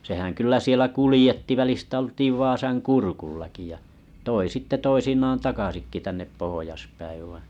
sehän kyllä siellä kuljetti välistä oltiin Vaasan kurkullakin ja toi sitten toisinaan takaisinkin tänne pohjaspäin vain